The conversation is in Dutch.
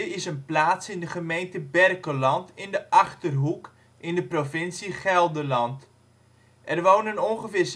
is een plaats in de gemeente Berkelland in de Achterhoek, provincie Gelderland. Er wonen ongeveer